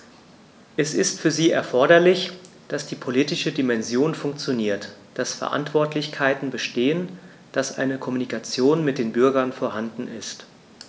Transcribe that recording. Es ist für sie erforderlich, dass die politische Dimension funktioniert, dass Verantwortlichkeiten bestehen, dass eine Kommunikation mit den Bürgern vorhanden ist.